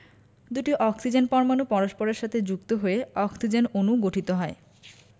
দুটি অক্সিজেন পরমাণু পরস্পরের সাথে যুক্ত হয়ে অক্সিজেন অণু গঠিত হয়